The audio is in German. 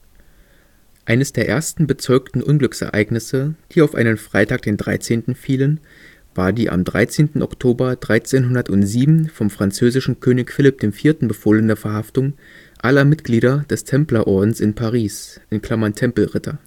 Eines der ersten bezeugten „ Unglücksereignisse “, die auf einen Freitag den 13. fielen, war die am 13. Oktober 1307 vom französischen König Philipp IV. befohlene Verhaftung aller Mitglieder des Templerordens in Paris (Tempelritter